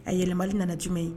A yɛlɛmama nana jumɛn ye